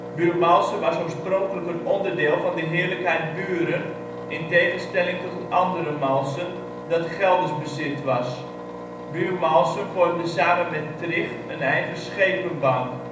Buurmalsen was oorspronkelijk een onderdeel van de heerlijkheid Buren, in tegenstelling tot het andere Malsen, dat Gelders bezit was. Buurmalsen vormde samen met Tricht een eigen schepenbank